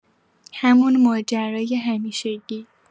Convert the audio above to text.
همون ماجرای همیشگی.